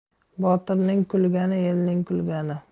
botirning kulgani elning kulgani